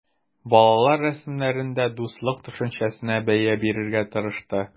Балалар рәсемнәрендә дуслык төшенчәсенә бәя бирергә тырышты.